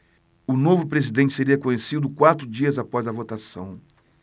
o novo presidente seria conhecido quatro dias após a votação